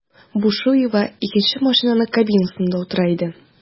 Бушуева икенче машинаның кабинасында утыра иде.